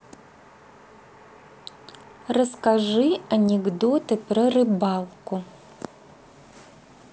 расскажи анекдоты про рыбалку